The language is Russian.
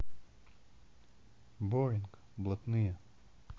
boring блатные